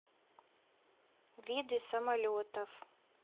виды самолетов